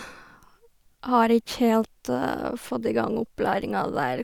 Har itj helt fått i gang opplæring av det der.